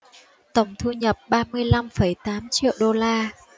tổng thu nhập ba mươi lăm phẩy tám triệu đô la